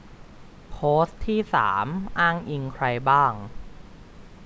โพสต์ที่สามอ้างอิงใครบ้าง